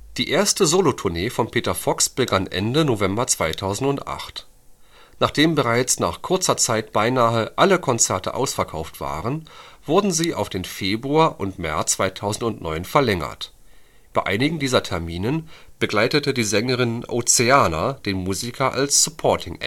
Die erste Solotournee von Peter Fox begann Ende November 2008. Nachdem bereits nach kurzer Zeit beinahe alle Konzerte ausverkauft waren, wurde sie auf den Februar und März 2009 verlängert. Bei einigen dieser Termine begleitete die Sängerin Oceana den Musiker als Supporting Act